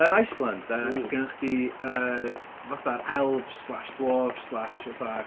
Yn Iceland de... Mm. ...gennych chdi, yy, fatha'r elves, slash dwarf slash fatha.